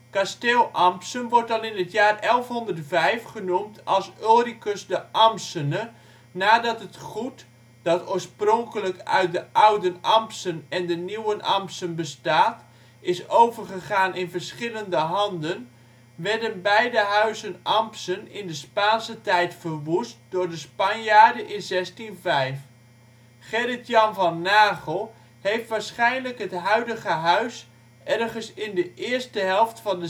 Kasteel Ampsen wordt al in het jaar 1105 genoemd als ' Ulricus de Amsene '. Nadat het goed (dat oorspronkelijk uit een ouden-Ampsen en een nieuwen-Ampsen bestaat) is overgegaan in verschillende handen, werden beide huizen Ampsen in de Spaanse tijd verwoest door de Spanjaarden in 1605. Gerrit Jan van Nagell heeft waarschijnlijk het huidige huis ergens in de eerste helft van